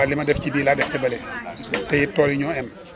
waa li ma def ci bii laa def ci bële te it tool yi ñoo em